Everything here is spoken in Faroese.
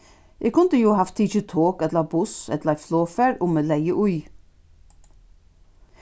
eg kundi jú havt tikið tok ella buss ella eitt flogfar um eg legði í